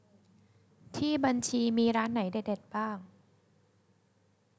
ที่บัญชีมีร้านไหนเด็ดเด็ดบ้าง